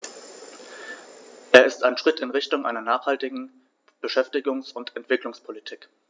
Er ist ein Schritt in Richtung einer nachhaltigen Beschäftigungs- und Entwicklungspolitik.